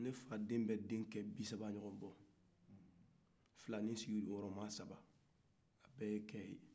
ne fa den bɛ denkɛ bisaba ɲɔgɔ bɔ filani sigiyɔrɔma saba a bɛɛ ye ce ye